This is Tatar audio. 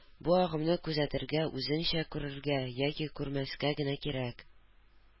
Бу агымны күзәтергә, үзеңчә күрергә, яки күрмәскә генә кирәк